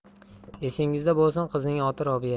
esingizda bo'lsin qizning oti robiya